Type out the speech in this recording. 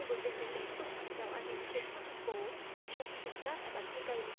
biểu tình đã ném tung hàng rào an ninh trên khắp thành phố trong khi cảnh sát bắn hơi cay vào